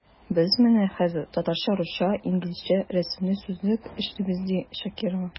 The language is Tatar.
Без менә хәзер “Татарча-русча-инглизчә рәсемле сүзлек” эшлибез, ди Шакирова.